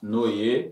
Oo ye